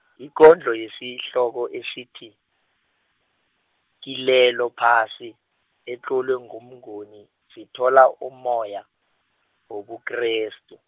ikondlo yesihloko esithi, kilelo phasi, etlolwe nguMnguni, sithola ummoya, wobuKrestu.